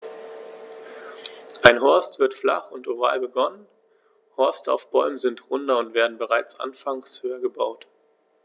Ein Horst wird flach und oval begonnen, Horste auf Bäumen sind runder und werden bereits anfangs höher gebaut.